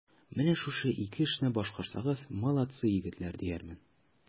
Менә шушы ике эшне башкарсагыз, молодцы, егетләр, диярмен.